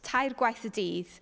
Tair gwaith y dydd.